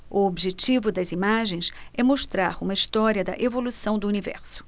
o objetivo das imagens é mostrar uma história da evolução do universo